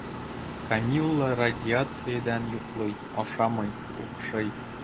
Камилла радиациядән йоклый, ашамый, укшый.